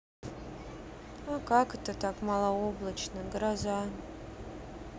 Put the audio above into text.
а как это так малооблачно гроза